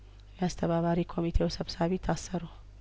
የአስተባባሪ ኮሚቴው ሰብሳቢ ታሰሩ